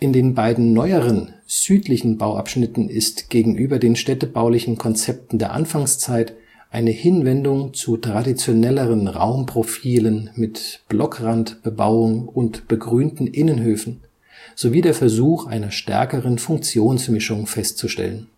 den beiden neueren, südlichen Bauabschnitten ist gegenüber den städtebaulichen Konzepten der Anfangszeit eine Hinwendung zu traditionelleren Raumprofilen mit Blockrandbebauung und begrünten Innenhöfen sowie der Versuch einer stärkeren Funktionsmischung festzustellen